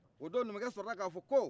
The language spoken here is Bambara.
o don numukɛ sɔrɔla k'a fɔ ko